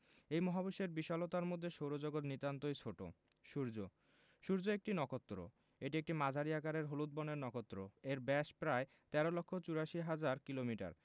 এই মহাবিশ্বের বিশালতার মধ্যে সৌরজগৎ নিতান্তই ছোট সূর্যঃ সূর্য একটি নক্ষত্র এটি একটি মাঝারি আকারের হলুদ বর্ণের নক্ষত্র এর ব্যাস প্রায় ১৩ লক্ষ ৮৪ হাজার কিলোমিটার